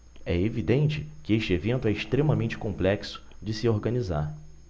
é evidente que este evento é extremamente complexo de se organizar